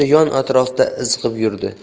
yon atrofda izg'ib yurdi